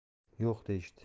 yo'q deyishdi